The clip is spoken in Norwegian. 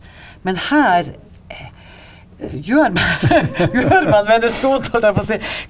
men her gjør gjør man mennesket ondt holdt jeg på si.